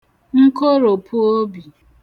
nkoròpuobì